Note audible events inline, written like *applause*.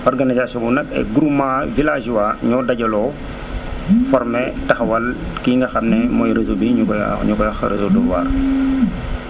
organisation boobu nag ay groupements villageois ñoo dajaloo *noise* formé *noise* taxawal kii nga xam ne mooy réseau bii ñu koy wax ñu koy wax *noise* réseau Dóor waar